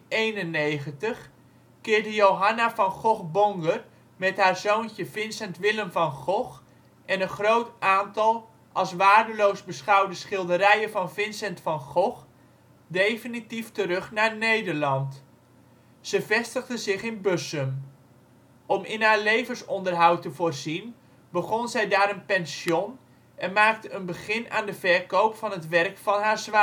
in 1891 keerde Johanna van Gogh-Bonger met haar zoontje Vincent Willem van Gogh en een groot aantal als waardeloos beschouwde schilderijen van Vincent van Gogh definitief terug naar Nederland. Ze vestigde zich in Bussum. Om in haar levensonderhoud te voorzien begon zij daar een pension en maakte een begin aan de verkoop van het werk van haar zwager. Haar